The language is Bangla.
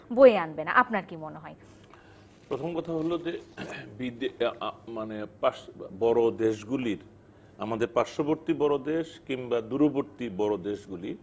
বয়ে আনবে না আপনার কি মনে হয় এখন কথা হল যে বিদেশ পাশের বড় দেশ গুলির আমাদের পার্শ্ববর্তী বড় দেশ কিংবা দূরবর্তী বড় দেশ গুলি